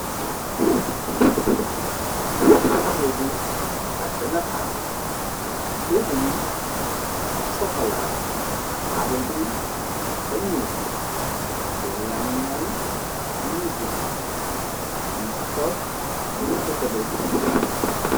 Tóógu ak benna tabull, tóógu yi dafa sokola ak tabull bi dafa ñuul. Tóógu ya ñgi nooy tè ñu ngi guddu man nga fa tóóg man nga fa tedda timid.